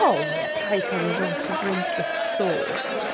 O ie paid cael fi'n wrong she brings the sauce.